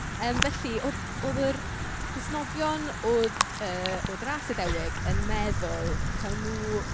Yym felly oedd oedd yr Cristnogion oedd yy o dras Iddewig yn meddwl taw nhw...